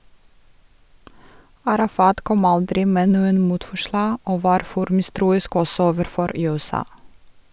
Arafat kom aldri med noen motforslag og var for mistroisk - også overfor USA.